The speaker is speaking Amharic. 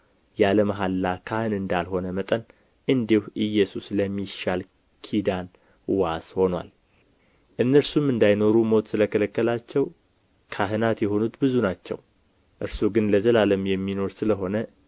ያለ መሐላ ካህን እንዳልሆነ መጠን እንዲሁ ኢየሱስ ለሚሻል ኪዳን ዋስ ሆኖአል እነርሱም እንዳይኖሩ ሞት ስለ ከለከላቸው ካህናት የሆኑት ብዙ ናቸው እርሱ ግን ለዘላለም የሚኖር ስለሆነ